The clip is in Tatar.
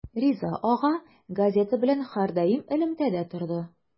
Риза ага газета белән һәрдаим элемтәдә торды.